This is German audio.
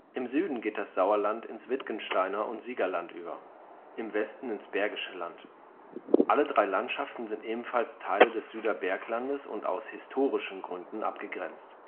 Im Süden geht das Sauerland ins Wittgensteiner und Siegerland über, im Westen ins Bergische Land. Alle drei Landschaften sind ebenfalls Teile des Süderberglandes und aus historischen Gründen abgegrenzt